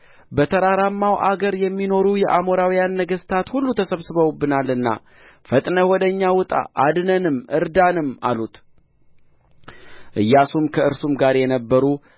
በተራራማው አገር የሚኖሩ የአሞራውያን ነገሥታት ሁሉ ተሰብስበውብናልና ፈጥነህ ወደ እኛ ውጣ አድነንም እርዳንም አሉት ኢያሱም ከእርሱም ጋር የነበሩ